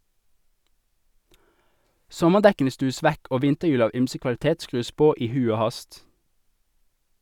Sommerdekkene stues vekk og vinterhjul av ymse kvalitet skrus på i hui og hast.